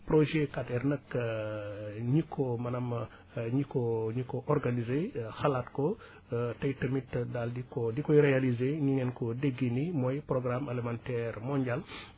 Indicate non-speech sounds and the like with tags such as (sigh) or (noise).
projet 4R nag (hesitation) ñi ko maanaam ñi ko ñi ko ornagiser xalaat ko (breath) tay tamit daal di ko di ko réaliser ni ngeen ko déggee nii mooy programme alimentaire mondial (breath)